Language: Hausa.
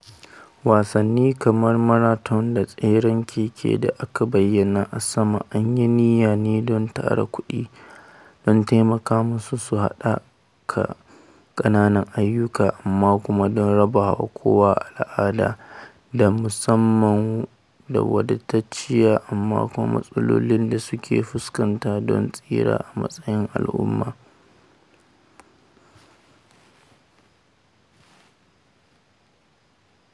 Wasanni kamar marathon da tseren keke da aka bayyana a sama an yi niyya ne don tara kuɗi don taimaka musu su haɓaka ƙananan ayyuka amma kuma don raba wa kowa al’ada ta musamman da wadatacciya, amma kuma matsalolin da suke fuskanta don tsira a matsayin al’umma.